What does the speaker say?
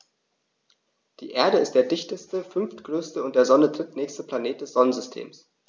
Die Erde ist der dichteste, fünftgrößte und der Sonne drittnächste Planet des Sonnensystems.